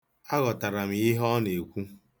Aghọtara m ihe ọ na-ekwu.